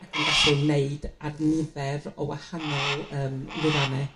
ac yn gallu ymwneud ar nifer o wahanol yrm lwyfanne.